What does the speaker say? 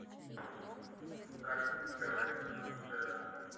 так говорить вчера